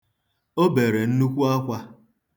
O bere nnukwu akwa.